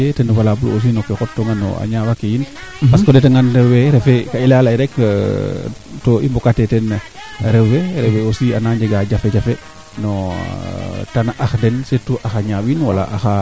d' accord ke yoq ndatna no waxtu mayke xaye o nar anga xendoox wala boog o ley o message pour wee ando naye den ndefu